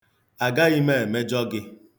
Agaghị m emejọ gị.